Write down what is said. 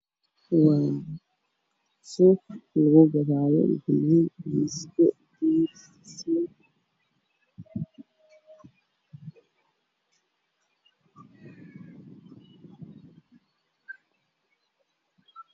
Waa suuq lagu gadaayo galay masago oo jawaano ku jirto